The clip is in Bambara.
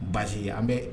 Basi ye an bɛ